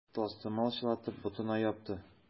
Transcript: Тастымал чылатып, ботына япты.